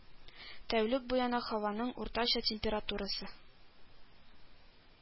Тәүлек буена һаваның уртача температурасы